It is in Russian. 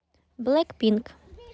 blackpink